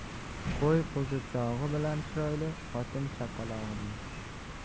qo'y qo'zichog'i bilan chiroyli xotin chaqalog'i bilan